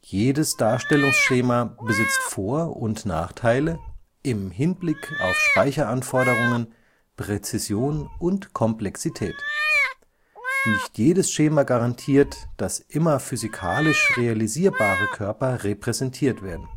jedes Darstellungsschema besitzt Vor - und Nachteile im Hinblick auf Speicheranforderungen, Präzision und Komplexität. Nicht jedes Schema garantiert, dass immer physikalisch realisierbare Körper repräsentiert werden